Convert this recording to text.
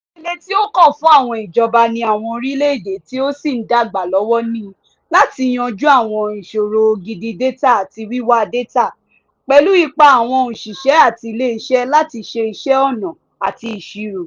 Ìpele tí ó kàn fún àwọn ìjọba ní àwọn orílẹ̀ èdè tí ó sì ń dàgbà lọ́wọ́ ni láti yanjú àwọn ìṣòro ògidì dátà àti wíwà dátà, pẹ̀lú ipá àwọn òṣìṣẹ́ àti ilé iṣẹ́ láti ṣe iṣẹ́ ọnà àti ìṣirò.